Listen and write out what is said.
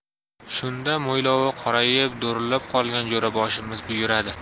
shunda mo'ylovi qorayib do'rillab qolgan jo'raboshimiz buyuradi